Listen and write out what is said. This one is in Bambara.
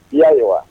I'a ye wa